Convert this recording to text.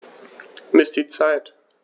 Miss die Zeit.